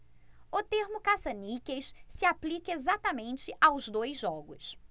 o termo caça-níqueis se aplica exatamente aos dois jogos